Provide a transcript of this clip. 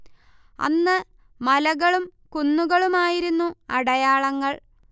അന്ന് മലകളും കുന്നുകളുമായിരുന്നു അടയാളങ്ങൾ